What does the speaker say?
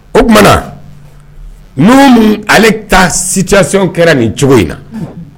O tumaumana numu minnu ale taa sisiw kɛra nin cogo in na